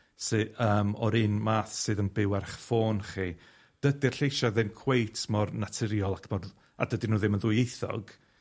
sy- yym o'r un math sydd yn byw ar 'ych ffôn chi, dydi'r lleisia' ddim cweit mor naturiol a t'mod a dydyn nw ddim yn ddwyieithog.